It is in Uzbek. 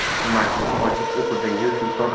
bobur maktubni ochib o'qidi yu sulton